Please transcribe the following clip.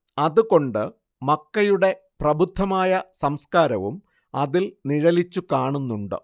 അത് കൊണ്ട് മക്കയുടെ പ്രബുദ്ധമായ സംസ്കാരവും അതിൽ നിഴലിച്ചു കാണുന്നുണ്ട്